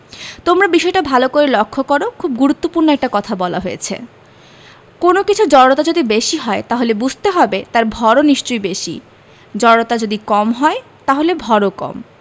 তোমরা বিষয়টা ভালো করে লক্ষ করো খুব গুরুত্বপূর্ণ একটা কথা বলা হয়েছে কোনো কিছুর জড়তা যদি বেশি হয় তাহলে বুঝতে হবে তার ভরও নিশ্চয়ই বেশি জড়তা যদি কম হয় তাহলে ভরও কম